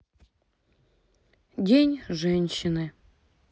день женщины